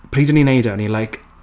Pryd o'n i'n wneud e o'n i'n like...